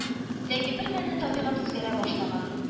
Ләкин бермәлне табигать үзгәрә башлаган